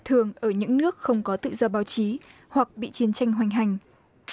thường ở những nước không có tự do báo chí hoặc bị chiến tranh hoành hành